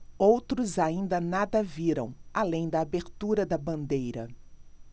outros ainda nada viram além da abertura da bandeira